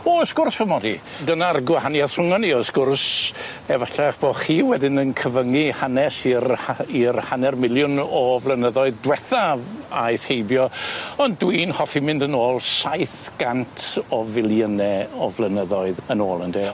O wrth gwrs fy mod i. Dyna'r gwahaniath rhwngon ni wrth gwrs efalla 'ych bo' chi wedyn yn cyfyngu hanes i'r ha- i'r hanner miliwn o flynyddoedd dwethaf aeth heibio ond dwi'n hoffi mynd yn ôl saith gant o filiyne o flynyddoedd yn ôl ynde.